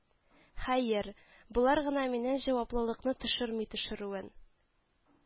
Хәер, болар гына миннән җаваплылыкны төшерми төшерүен